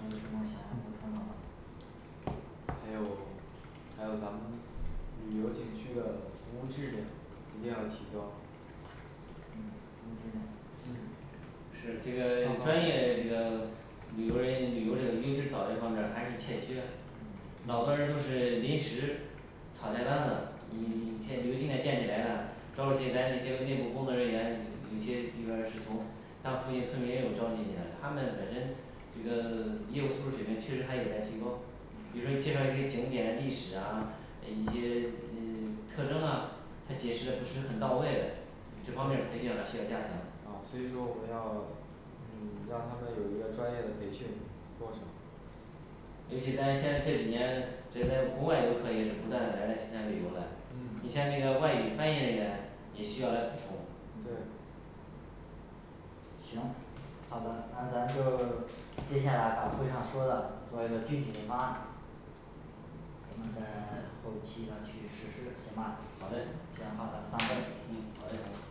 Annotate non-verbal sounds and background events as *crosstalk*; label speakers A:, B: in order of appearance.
A: 还有什么想要补
B: 嗯
A: 充吗
B: 还有还有咱们旅游景区的服务质量一定要提高
A: 嗯服务质量
B: 嗯
C: 是这个专业这个旅游人旅游这个，尤其是导游方面儿还是欠缺，
B: 嗯
C: 老多人都是临时草台班子，你 *silence* 现比如现在建起来了，召集咱那些个内部工作人员，有些地方儿是从当附近村民也有召集进来，他们本身这个业务素质水平确实还有待提高，比如说介绍一个景点历史啊一些嗯 *silence* 特征啊，他解释嘞不是很到位这方面培训啦需要加强，程
B: 啊所以说我们要嗯让他们有一个专业的培训过
C: 尤其咱现在这几年就在国外，游客也是不断来邢台旅游来，
B: 嗯
C: 你像那个外语翻译人员也需要来补充，
A: 嗯
B: 对
A: 行。好的，那咱就 *silence* 接下来把会上说的做一个具体的方案可能在 *silence* 后期要去实施，行吧
C: 好嘞
A: 行好的，散会
C: 嗯好嘞
B: 好